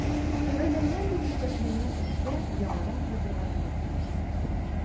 Төгәлләнгән дип исәпләнгән эшкә яңадан кайтырга туры киләчәк.